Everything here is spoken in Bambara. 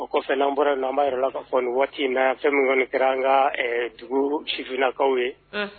O kɔfɛ bɔra na an b'a yɛrɛ la k ka fɔ waati in na fɛn minnu kɔniɔni kɛra an ka dugu sifininakaw ye